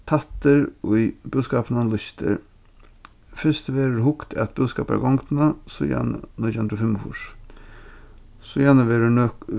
tættir í búskapinum lýstir fyrst verður hugt at búskapargongdini síðani nítjan hundrað og fimmogfýrs síðani